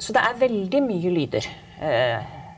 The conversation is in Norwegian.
så det er veldig mye lyder .